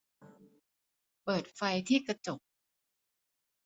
เปิดไฟที่กระจก